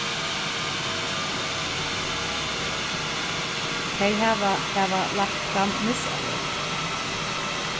tey hava hava lagt fram misálit